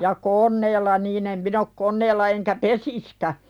ja koneella niin en minä ole koneella enkä pesisikään